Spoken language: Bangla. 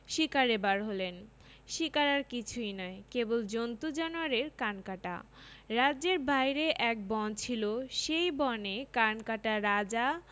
শিকারে বার হলেন শিকার আর কিছুই নয় কেবল জন্তু জানোয়ারের কান কাটা রাজ্যের বাইরে এক বন ছিল সেই বনে কানকাটা রাজা